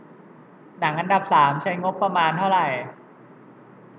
หนังอันดับสามใช้งบประมาณเท่าไหร่